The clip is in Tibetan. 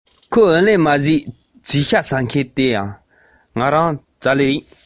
འཇིབས སོང བས ངའི བསམ དོན མ གྲུབ